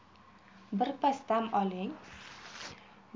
birpas dam oling